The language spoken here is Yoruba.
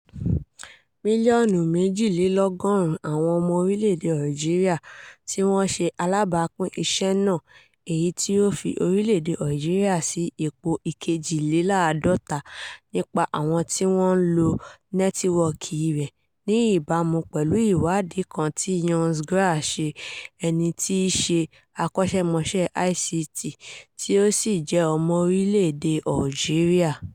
2.1 mílíọ̀nù àwọn ọmọ orílẹ̀ èdè Algeria ni wọ́n ti ṣe alábàápín iṣẹ́ náà, èyí tí ó fi orílè-èdè Algeria sí ipò 52nd nípa àwọn tí wọ́n ń lo nẹ́tíwọ́ọ̀kì rẹ̀, ní ìbámu pẹ̀lú ìwádìí kan tí Younes Grar ṣe, ẹni tí í ṣe akọ́ṣẹ́mọṣẹ́ ICT tí ó jẹ́ ọmọ orílẹ̀ èdè Algeria.